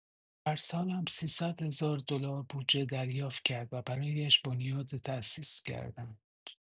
هر سال هم ۳۰۰ هزار دلار بودجه دریافت کرد و برایش بنیاد تاسیس کردند.